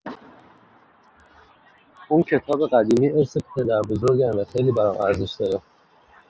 اون کتاب قدیمی ارث پدربزرگمه و خیلی برام ارزش داره.